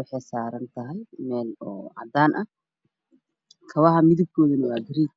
waxay saaran tahay meel cadaan ah kabaha midabkoodu waa madow